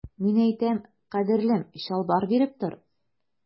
Мин әйтәм, кадерлем, чалбар биреп тор.